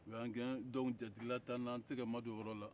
o y'an gɛn dɔnku jatigila tɛ an na an tɛ se k'an ma don o yɔrɔ la